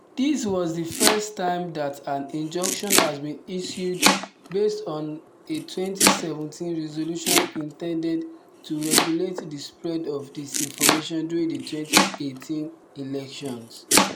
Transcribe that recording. This was the first time that an injunction has been issued based on a 2017 resolution intended to regulate the spread of disinformation during the 2018 elections.